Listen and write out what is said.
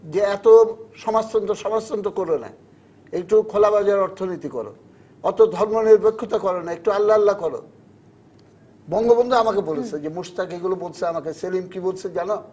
এত সমাজতন্ত্র সমাজতন্ত্র করোনা একটু খোলা বাজার অর্থনীতি কর অত ধর্মনিরপেক্ষতা করোনা একটু আল্লাহ আল্লাহ কর বঙ্গবন্ধু আমাকে বলেছে যে মোস্তাক এগুলো বলছে আমাকে সেলিম কি বলছে জানো